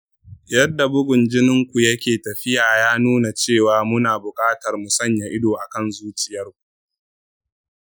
yadda bugun jinin ku yake tafiya ya nuna cewa muna buƙatar mu sanya ido a kan zuciyarku.